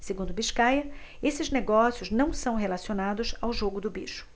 segundo biscaia esses negócios não são relacionados ao jogo do bicho